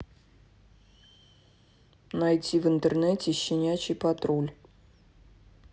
найти в интернете щенячий патруль